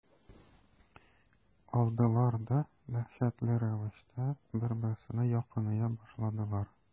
Алдылар да дәһшәтле рәвештә бер-берсенә якыная башладылар.